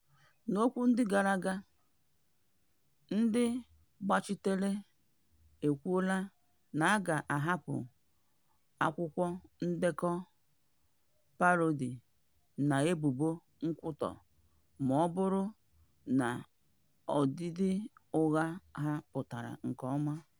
N'okwu ndị gara aga, ndị agbachitere ekwuola na a ga-ahapụ akwụkwọ ndekọ parody na ebubo nkwutọ ma ọ bụrụ na ọdịdị ụgha ha pụtara nke ọma.